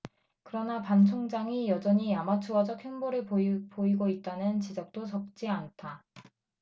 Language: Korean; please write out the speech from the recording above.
그러나 반 총장이 여전히 아마추어적 행보를 보이고 있다는 지적도 적지 않다